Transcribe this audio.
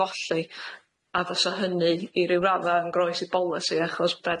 golli a fysa hynny i ryw radda' yn groes i bolisi achos be'